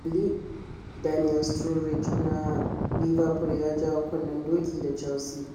Kalli: Daniel Sturridge na Liverpool ya jawo kunnen doki da Chelsea